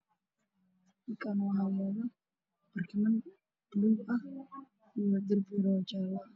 Halkaan waxaa yaalo barkiman buluug ah iyo darbiga oo jaale ah.